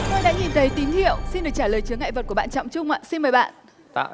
tôi đã nhìn thấy tín hiệu xin được trả lời chướng ngại vật của bạn trọng trung ạ xin mời bạn